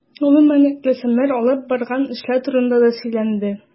Гомүмән, рәссамнар алып барган эшләр турында да сөйләнде.